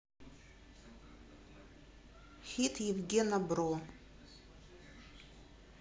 хит евгена бро